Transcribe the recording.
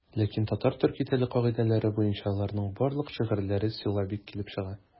Ләкин татар-төрки теле кагыйдәләре буенча аларның барлык шигырьләре силлабик килеп чыга.